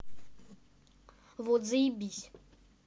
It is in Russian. вот заебись